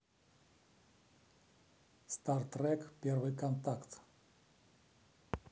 стар трек первый контакт